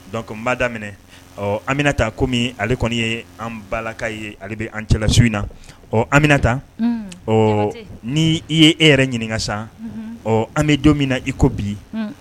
Donc n ba daminɛ ɔ an bɛna taa kɔmi ale kɔni ye an balalaka ye ale bɛ an cɛlala su in na ɔ anmina taa ɔ ni i ye e yɛrɛ ɲininkaka sa ɔ an bɛ don min na i ko bi